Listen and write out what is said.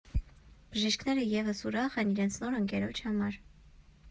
Բժիշկները ևս ուրախ են իրենց նոր ընկերոջ համար։